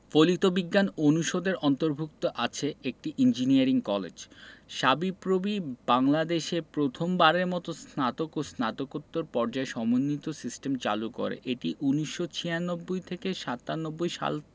ফলিত বিজ্ঞান অনুষদের অন্তর্ভুক্ত আছে একটি ইঞ্জিনিয়ারিং কলেজ সাবিপ্রবি বাংলাদেশে প্রথম বারের মতো স্নাতক ও স্নাতকোত্তর পর্যায়ে সমন্বিত সিস্টেম চালু করে এটি ১৯৯৬ থেকে ৯৭ সাল